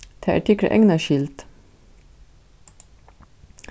tað er tykra egna skyld